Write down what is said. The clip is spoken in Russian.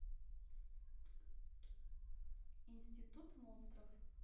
институт монстров